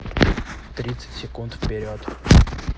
тридцать секунд вперед